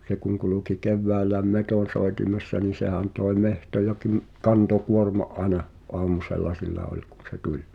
se kun kulki keväällä metsonsoitimessa niin sehän toi metsoja - kantokuorma aina aamusella sillä oli kun se tuli